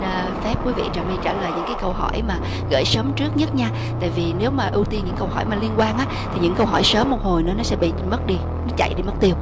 phép quý vị trà my trả lời những cái câu hỏi mà gởi sớm trước nhất nha tại vì nếu mà ưu tiên những câu hỏi mà liên quan á thì những câu hỏi sớm một hồi nó nó sẽ bị mất đi nó chạy đi mất tiêu